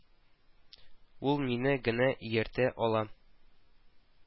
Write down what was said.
Ул мине генә ияртә ала